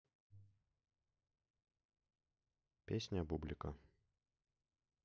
песня бублика